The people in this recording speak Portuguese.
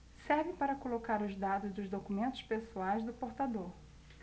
serve para colocar os dados dos documentos pessoais do portador